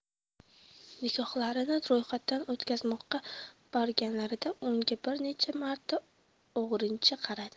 nikohlarini ro'yxatdan o'tkazmoqqa borganlarida unga bir necha marta o'g'rincha qaradi